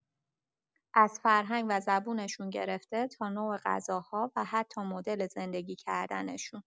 از فرهنگ و زبونشون گرفته تا نوع غذاها و حتی مدل زندگی کردنشون.